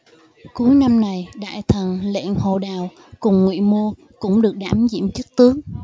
cuối năm này đại thần lệnh hồ đào cùng ngụy mô cũng được đảm nhiệm chức tướng